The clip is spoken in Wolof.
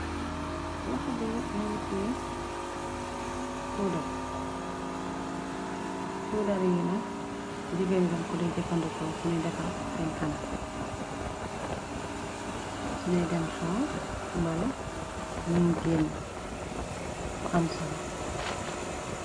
Loxo bi mongi tiye puddar puddar yi nakk jigeenni daan ko dey jëfandeko sunuy defar seen kanam sunuy dem xew mbala nu geenn fo am solo.